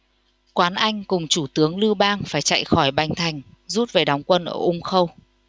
quán anh cùng chủ tướng lưu bang phải chạy khỏi bành thành rút về đóng quân ở ung khâu